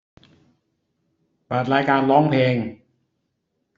เปิดรายการร้องเพลง